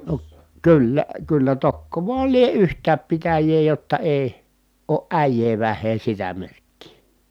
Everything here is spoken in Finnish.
no kyllä kyllä tokkopa lie yhtään pitäjää jotta ei ole äijää vähän sitä merkkiä